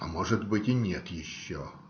- А может быть, и нет еще.